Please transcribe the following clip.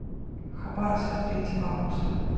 хабаровск третьего августа